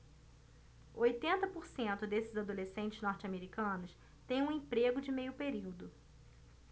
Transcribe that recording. oitenta por cento desses adolescentes norte-americanos têm um emprego de meio período